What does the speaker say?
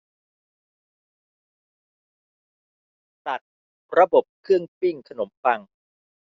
ตัดระบบเครื่องปิ้งขนมปัง